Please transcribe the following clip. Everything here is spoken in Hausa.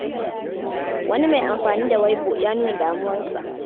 Wani mai amfani da Weibo ya nuna damuwarsa: